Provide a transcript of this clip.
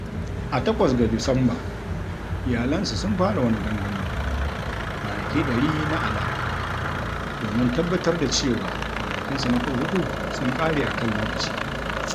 A 8 ga Disamba, iyalinsa sun fara wani gangami - "kwanaki 100 na Alaa" - domin tabbatar da cewa kwanakinsa na kurkuku sun ƙare a kan lokaci.